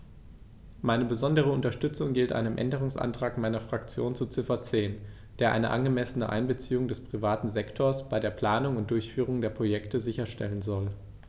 Meine besondere Unterstützung gilt einem Änderungsantrag meiner Fraktion zu Ziffer 10, der eine angemessene Einbeziehung des privaten Sektors bei der Planung und Durchführung der Projekte sicherstellen soll.